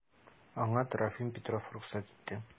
Аңа Трофим Петров рөхсәт итте.